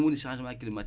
changement climatique